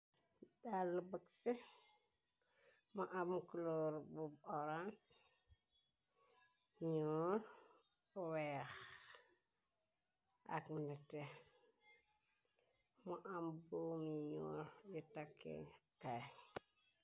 Dal bëxse mo am clor bu orance ñoo weex ak mnate mo am boomi ñoor li takkikaay.